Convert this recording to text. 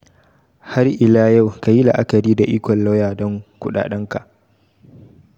Har ila yau, kayi la'akari da ikon lauya don kudaden ka.